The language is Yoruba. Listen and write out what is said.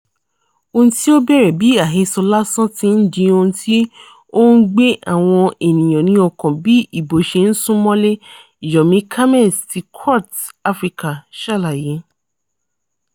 Ohun tí ó bẹ̀rẹ̀ bí àhesọ lásán ti ń di ohun tí ó ń gbé àwọn ènìyàn ní ọkàn bí ìbò ṣe ń sún mọ́lé. Yomi Kamez ti Quartz Africa ṣàlàyé :